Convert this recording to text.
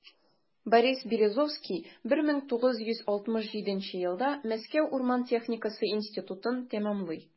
Борис Березовский 1967 елда Мәскәү урман техникасы институтын тәмамлый.